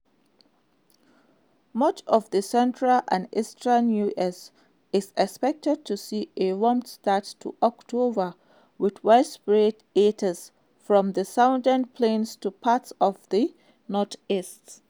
Much of the central and eastern U.S. is expected to see a warm start to October with widespread 80s from the Southern Plains to parts of the Northeast.